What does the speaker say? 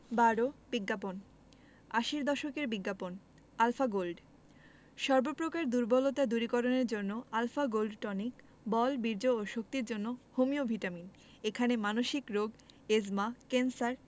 ১২ বিজ্ঞাপন আশির দশকের বিজ্ঞাপন আলফা গোল্ড সর্ব প্রকার দুর্বলতা দূরীকরণের জন্য আল্ ফা গোল্ড টনিক বল বীর্য ও শক্তির জন্য হোমিও ভিটামিন এখানে মানসিক রোগ এ্যজমা ক্যান্সার